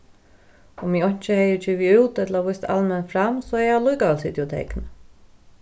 um eg einki hevði givið út ella víst alment fram so hevði eg allíkavæl sitið og teknað